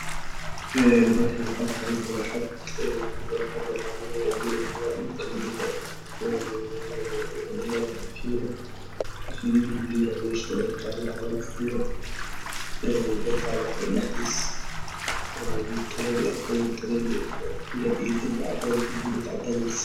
Halakaan waxaa talaalo maruuxad waxa ey leedahy fiilo oo jaaala ah waxey taal qol dhaxdiis oo qol mutuleel daripiga rinji cadaana ah marsanyahy